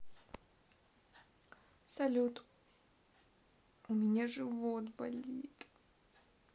салют у меня живот болит